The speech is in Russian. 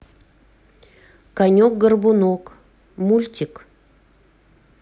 конек горбунок мультик